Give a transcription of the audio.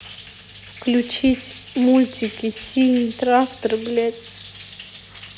включить мультики синий трактор блядь